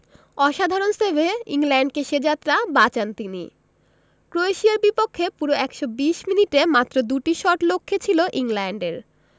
অসাধারণ সেভে ইংল্যান্ডকে সে যাত্রা বাঁচান তিনি ক্রোয়েশিয়ার বিপক্ষে পুরো ১২০ মিনিটে মাত্র দুটি শট লক্ষ্যে ছিল ইংল্যান্ডের